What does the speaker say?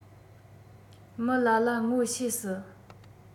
མི ལ ལ ངོ ཤེས སྲིད